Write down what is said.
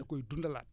da koy dundalaat